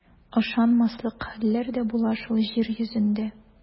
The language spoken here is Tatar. Ышанмаслык хәлләр дә була шул җир йөзендә.